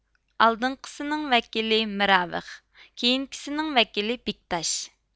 ئالدىنقىسىنىڭ ۋەكىلى مىراۋىغ كېيىنكىسىنىڭ ۋەكىلى بېكتاش